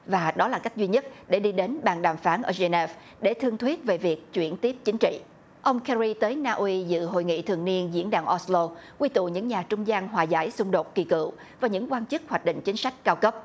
và đó là cách duy nhất để đi đến bàn đàm phán ở rê na để thương thuyết về việc chuyển tiếp chính trị ông ke ri tới na uy dự hội nghị thường niên diễn đàn ót lô quy tụ những nhà trung gian hòa giải xung đột kỳ cựu và những quan chức hoạch định chính sách cao cấp